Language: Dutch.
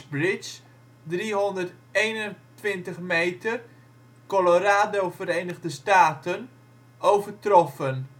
Bridge (321 meter - Colorado, Verenigde Staten) overtroffen